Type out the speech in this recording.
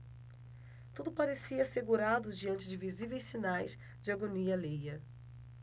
tudo parecia assegurado diante de visíveis sinais de agonia alheia